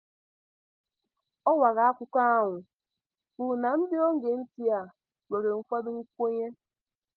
"Ọwara akụkọ ahụ kwuru na ndị ogee ntị ha nwere "ụfọdụ nkwenye"""